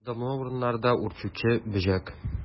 Дымлы урыннарда үрчүче бөҗәк.